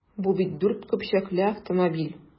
Бу бит дүрт көпчәкле автомобиль!